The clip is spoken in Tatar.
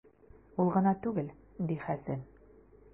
Ул гына түгел, - ди Хәсән.